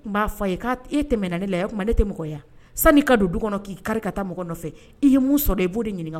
' e tɛmɛɛna ne la o ne tɛ mɔgɔ ka don du kɔnɔ k'i kari ka taa mɔgɔ nɔfɛ i ye sɔrɔ i b' de ɲininka